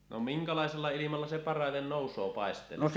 no minkälaisella ilmalla se parhaiten nousee paisteelle